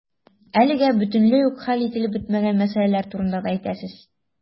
Әлегә бөтенләй үк хәл ителеп бетмәгән мәсьәләләр турында да әйтәсез.